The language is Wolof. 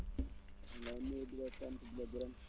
ma lay nuyu di la sant di la gërëm